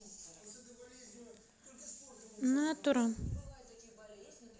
natura